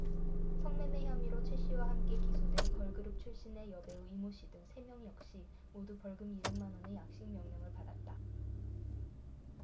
성매매 혐의로 최씨와 함께 기소된 걸그룹 출신의 여배우 이모씨 등 세 명 역시 모두 벌금 이백 만원의 약식명령을 받았다